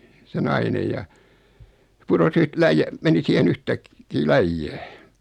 se nainen ja putosi -- meni siihen - yhtäkkiä läjään